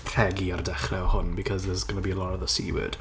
rhegi ar y dechrau o hwn because there's going to be a lot of the C word.